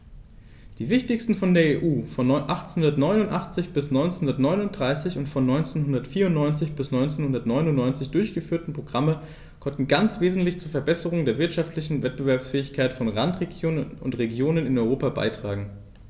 Die wichtigsten von der EU von 1989 bis 1993 und von 1994 bis 1999 durchgeführten Programme konnten ganz wesentlich zur Verbesserung der wirtschaftlichen Wettbewerbsfähigkeit von Randregionen und Regionen in Europa beitragen.